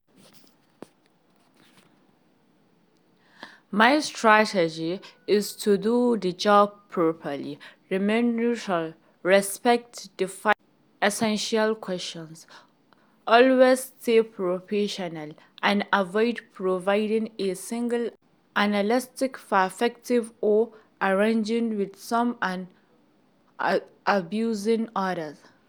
My strategy is to do the job properly: remain neutral, respect the five essential questions, always stay professional, and avoid providing a single analytical perspective or agreeing with some and accusing others.